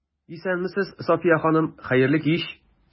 Исәнмесез, Сафия ханым, хәерле кич!